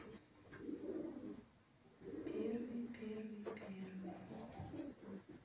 первый первый первый